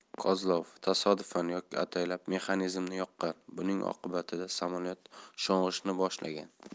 kozlov tasodifan yoki ataylab mexanizmni yoqqan buning oqibatida samolyot sho'ng'ishni boshlagan